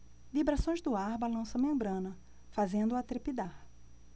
vibrações do ar balançam a membrana fazendo-a trepidar